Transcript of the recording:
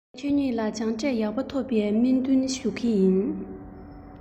ངས ཁྱེད གཉིས ལ སྦྱངས འབྲས ཡག པོ ཐོབ པའི སྨོན འདུན ཞུ གི ཡིན